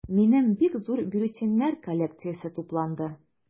Минем бик зур бюллетеньнәр коллекциясе тупланды.